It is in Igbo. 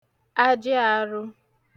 ajị arụ